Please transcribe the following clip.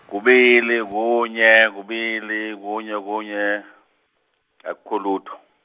kubili kunye kubili kunye kunye, akukho lutho.